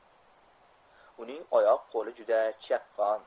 uning oyoq qo'li juda chaqqon